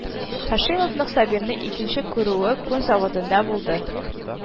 Һашимовның Сабирны икенче күрүе күн заводында булды